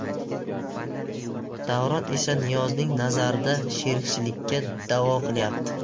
davron esa niyozning nazarida sherikchilikka davo qilyapti